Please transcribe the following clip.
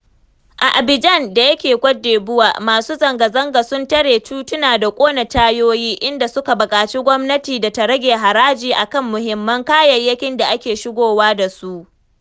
A Abidjan da yake Cote d'ivore, masu zangazanga sun tare tituna da ƙona tayoyi, inda suka buƙaci gwamnati da ta rage haraji a kan muhimman kayayyakin da ake shigowa da su.